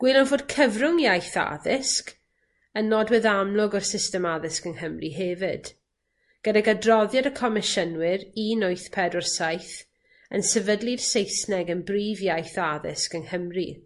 Gwelwn fod cyfrwng iaith a addysg yn nodwedd amlwg o'r system addysg yng Nghymru hefyd, gydag adroddiad y Comisiynwyr un wyth pedwar saith yn sefydlu'r Saesneg yn brif iaith addysg yng Nghymru.